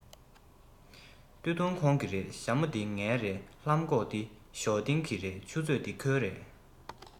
སྟོད ཐུང འདི ཁོང གི རེད ཞྭ མོ འདི ངའི རེད ལྷམ གོག འདི ཞའོ ཏིང གི རེད ཆུ ཚོད འདི ཁོའི རེད